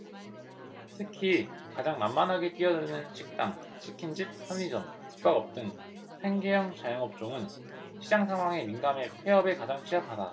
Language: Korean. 특히 가장 만만하게 뛰어드는 식당 치킨집 편의점 숙박업 등 생계형 자영업종은 시장상황에 민감해 폐업에 가장 취약하다